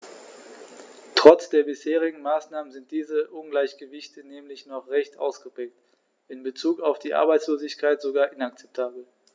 Trotz der bisherigen Maßnahmen sind diese Ungleichgewichte nämlich noch recht ausgeprägt, in bezug auf die Arbeitslosigkeit sogar inakzeptabel.